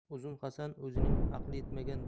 uzun hasan o'zining aqli yetmagan